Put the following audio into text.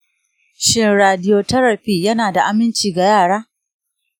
shin radiotherapy yana da aminci ga yara?